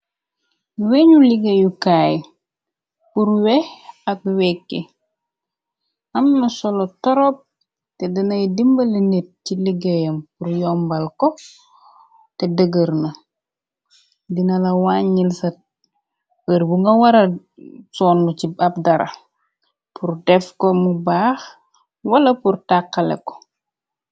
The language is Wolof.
Weñu liggéeyu kaay, pur we, ak wekki, amna solo torop, te danay dimbale nit ci liggéeyam bur yombal ko, te dëgër na, dina la wàññil sa bër bu nga wara sonnu ci ab dara, pur def ko mu baax, wala pur tàxxale ko.